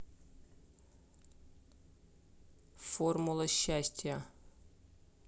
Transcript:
формула счастья